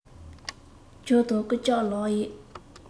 ཇོ དང སྐུ ལྕམ ལགས ཡེ